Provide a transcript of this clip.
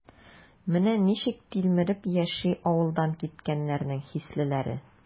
Менә ничек тилмереп яши авылдан киткәннәрнең хислеләре?